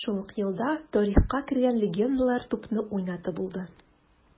Шул ук елда тарихка кергән легендар тупны уйнату булды: